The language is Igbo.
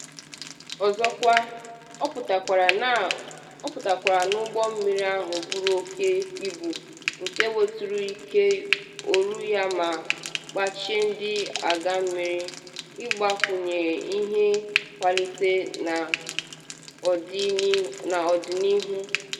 Ọzọkwa, ọ pụtakwara na ụgbọ mmiri ahụ buru oke ibu nke weturu ike ọrụ ya ma gbachie ndị Agha Mmiri ịgbakwunye ihe nkwalite n’ọdịnihu.